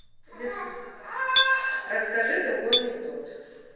расскажи другой анекдот